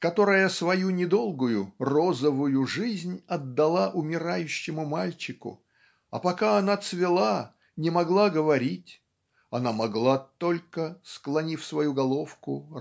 которая свою недолгую "розовую жизнь" отдала умирающему мальчику а пока она цвела не могла говорить "она могла только склонив свою головку